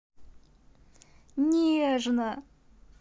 нежно